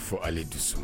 Fɔ ale di sɔn